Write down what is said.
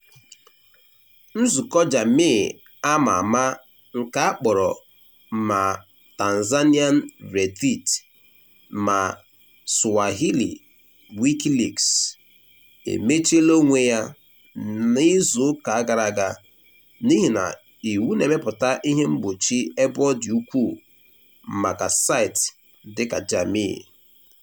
Nzukọ Jamii a ma ama - nke a kpọrọ ma "Tanzanian Reddit" ma "Swahili Wikileaks" - emechiela onwe ya n'izuụka gara aga n'ihi na iwu na-emepụta ihe mgbochi ebe ọ dị ukwuu maka saịtị dịka Jamii.